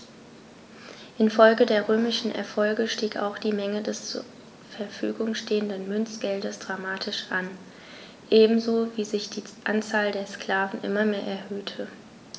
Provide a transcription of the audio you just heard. Infolge der römischen Erfolge stieg auch die Menge des zur Verfügung stehenden Münzgeldes dramatisch an, ebenso wie sich die Anzahl der Sklaven immer mehr erhöhte.